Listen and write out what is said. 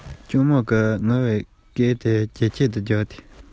གླུ དབྱངས ལེན གྱིན ཚེས གསུམ